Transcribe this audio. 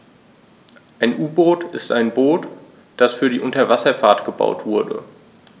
Ein U-Boot ist ein Boot, das für die Unterwasserfahrt gebaut wurde.